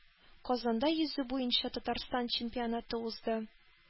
Казанда йөзү буенча Татарстан чемпионаты узды,